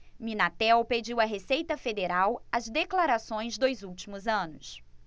minatel pediu à receita federal as declarações dos últimos anos